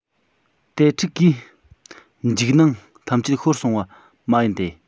དེ ཕྲུག གིས འཇིགས སྣང ཐམས ཅད ཤོར སོང བ མ ཡིན ཏེ